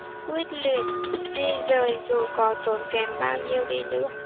quyết liệt di dời dù có tốn kém bao nhiêu đi nữa